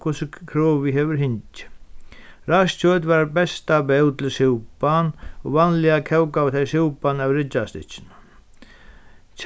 hvussu krovið hevur hingið ræst kjøt var besta bót til súpan og vanliga kókaðu tey súpan av ryggjarstykkjunum